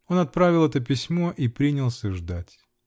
Он отправил это письмо и принялся ждать.